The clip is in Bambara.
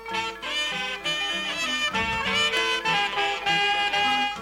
Maa' diɲɛ mɛ diɲɛ diɲɛ